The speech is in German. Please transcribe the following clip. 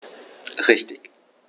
Richtig